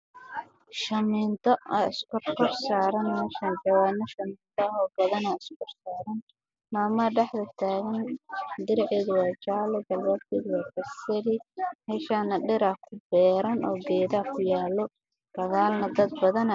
Wa shamiito kuwaan ku jirto